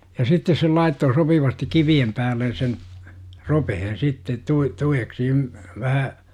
ja sitten se laittoi sopivasti kivien päälle sen ropeen sitten - tueksi - vähän